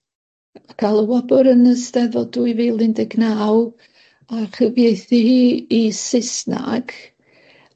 ###ca'l y wobr yn y Steddfod dwy fil un deg naw a chyfieithu i i Saesnag